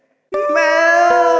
mẹ